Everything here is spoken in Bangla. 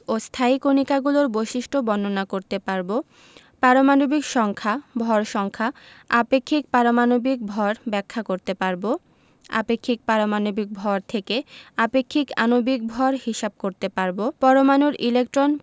ও স্থায়ী কণিকাগুলোর বৈশিষ্ট্য বর্ণনা করতে পারব পারমাণবিক সংখ্যা ভর সংখ্যা আপেক্ষিক পারমাণবিক ভর ব্যাখ্যা করতে পারব আপেক্ষিক পারমাণবিক ভর থেকে আপেক্ষিক আণবিক ভর হিসাব করতে পারব পরমাণুর ইলেকট্রন